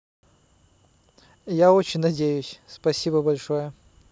я очень надеюсь спасибо большое